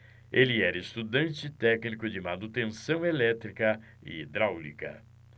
ele era estudante e técnico de manutenção elétrica e hidráulica